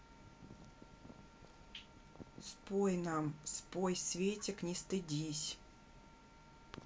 спой нам спой светик не стыдись